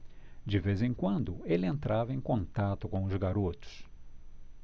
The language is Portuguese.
de vez em quando ele entrava em contato com os garotos